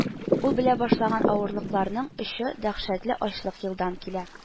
Ул белә башлаган авырлыкларның очы дәһшәтле ачлык елдан килә